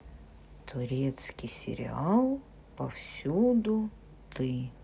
турецкий сериал повсюду ты